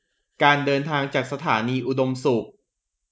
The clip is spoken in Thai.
การเดินทางจากสถานีอุดมสุข